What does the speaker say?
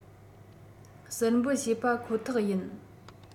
ཟུར འབུད བྱས པ ཁོ ཐག ཡིན